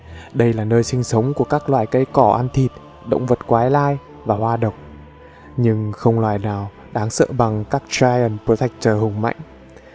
đây là nơi sinh sống của các loài cỏ ăn thịt động vật quái lai và hoa độc nhưng không loài nào đáng sợ bằng các treant protector hùng mạnh